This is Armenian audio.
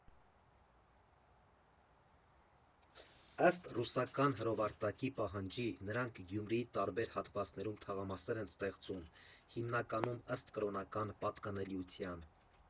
Ըստ ռուսական հրովարտակի պահանջի՝ նրանք Գյումրիի տարբեր հատվածներում թաղամասեր են ստեղծում՝ հիմնականում ըստ կրոնական պատկանելիության։